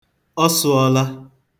Ọ sụọla.